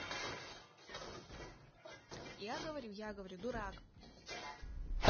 я говорю я говорю дурак